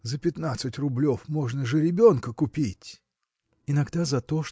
За пятнадцать рублев можно жеребенка купить. – Иногда за то